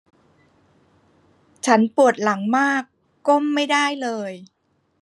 ฉันปวดหลังมากก้มไม่ได้เลย